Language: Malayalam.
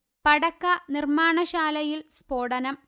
പടക്ക നിർമ്മാണശാലയിൽ സ്ഫോടനം